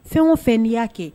Fɛn o fɛn ni y'a kɛ